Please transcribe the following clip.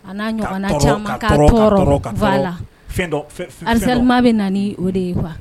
A'a ɲɔgɔn lasa bɛ na o de ye